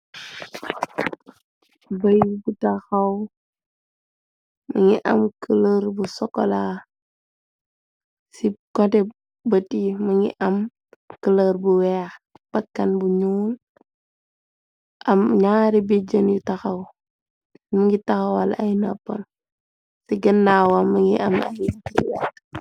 Baye bu tahaw mungi am këloor bu sokola ci kotè bëti mu ngi am këloor bu weeh bakkan bu ñuul, am ñaari bijjan yu tahaw, nu ngi tahawal ay boppam ci gëndaawam mungi am ay.